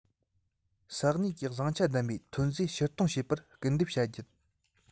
ས གནས ཀྱི བཟང ཆ ལྡན པའི ཐོན རྫས ཕྱིར གཏོང བྱེད པར སྐུལ འདེབས བྱ རྒྱུ